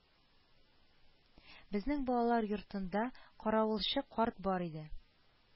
Безнең балалар йортында каравылчы карт бар иде